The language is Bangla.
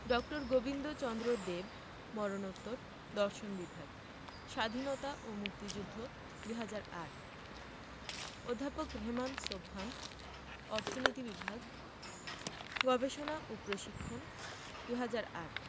ড. গোবিন্দচন্দ্র দেব মরনোত্তর দর্শন বিভাগ স্বাধীনতা ও মুক্তিযুদ্ধ ২০০৮ অধ্যাপক রেহমান সোবহান অর্থনীতি বিভাগ গবেষণা ও প্রশিক্ষণ ২০০৮